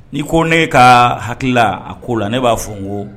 N'i ko ne ka hakilila a ko la ne b'a fɔ n ko